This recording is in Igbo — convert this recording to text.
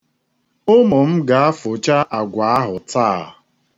Ụmụ m ga-afụcha àgwà ahụ taa.